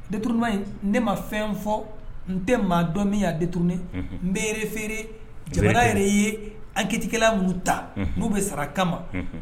Det in ne ma fɛn fɔ n tɛ maa dɔ min yan detun ne n bɛe feere ja yɛrɛ ye anketikɛla' ta n'u bɛ saraka kamama